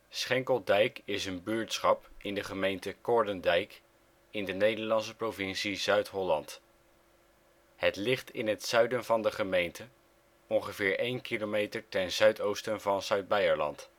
Schenkeldijk is een buurtschap in de gemeente Korendijk in de Nederlandse provincie Zuid-Holland. Het ligt in het zuiden van de gemeente ongeveer 1 kilometer ten zuidoosten van Zuid-Beijerland